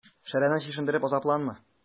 Шәрәне чишендереп азапланма.